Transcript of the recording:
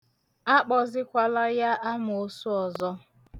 Akpọzikwala ya amoosu ọzọ.